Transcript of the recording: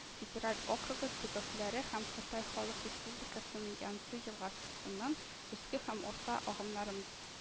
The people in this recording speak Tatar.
Федераль округы төбәкләре һәм кытай халык республикасының янцзы елгасының өске һәм урта агымнары